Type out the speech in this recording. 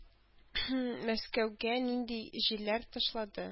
Мәскәүгә нинди җилләр ташлады?